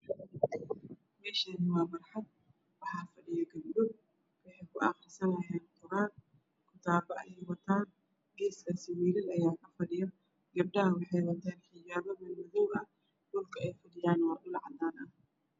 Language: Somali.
Meeshaan waa barxad waxaa fadhiyo gabdho waxay ku aqrisanaayaan buugaag kitaabo ayay wataan geeskaas wiilal ayaa ka fadhiya. Gabdhaha waxay wataan xijaab madow ah dhulkana waa cadaan.